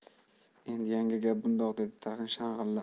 endi yanga gap bundoq dedi tag'in shang'illab